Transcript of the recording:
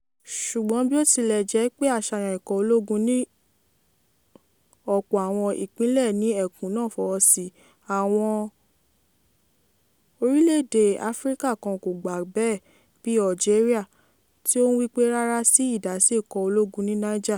Ṣùgbọ́n bí ó tilẹ̀ jẹ́ pé àṣàyàn ikọ̀ ológun ní ọ̀pọ̀ àwọn ìpínlẹ̀ ní ẹkùn náà fọwọ́ sí, àwọn orílẹ̀-èdè ilẹ̀ Áfíríkà kan kò gbà bẹ́ẹ̀, bíi Algeria, tí ó ń wí pé 'rárá' sí ìdásí ikọ̀ ológun ní Niger.